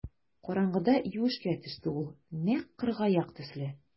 Караңгыда юешкә төште ул нәкъ кыргаяк төсле.